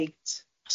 Reit.